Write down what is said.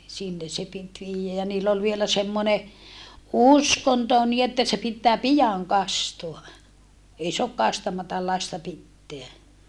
sinne se piti viedä ja niillä oli vielä semmoinen uskonto niin että se pitää pian kastaa ei saa kastamatta lasta pitää